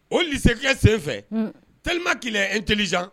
O lycée , unhun, tellement qu'il est intelligent